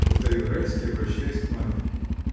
— повторил Райский, обращаясь к Марфиньке.